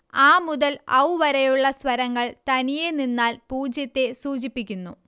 അ മുതൽ ഔ വരെയുള്ള സ്വരങ്ങൾ തനിയേ നിന്നാൽ പൂജ്യത്തെ സൂചിപ്പിക്കുന്നു